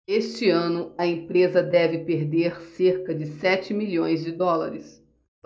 este ano a empresa deve perder cerca de sete milhões de dólares